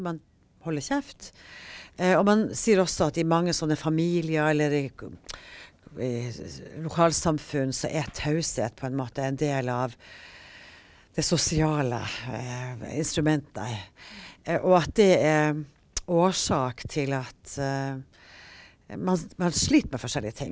man holder kjeft og man sier også at i mange sånne familier eller i lokalsamfunn så er taushet på en måte en del av det sosiale instrumentet, og at det er årsak til at man man sliter med forskjellige ting.